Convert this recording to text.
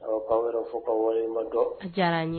Aw k' yɛrɛ fɔ ka wale ma dɔn diyara n ye